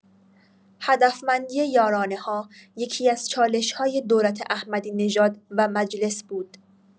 هدفمندی یارانه‌ها یکی‌از چالش‌های دولت احمدی‌نژاد و مجلس بود.